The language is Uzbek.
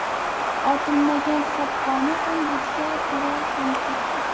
otilmagan sopqon ham betga tegar ham ketga